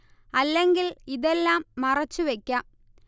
അല്ലെങ്കിൽ ഇതെല്ലാം മറച്ചുവെക്കാം